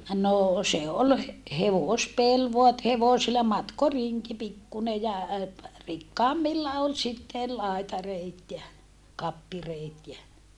no se oli - hevospeli vain että hevosilla matkorinki pikkuinen ja rikkaammilla oli sitten laitareet ja kappireet ja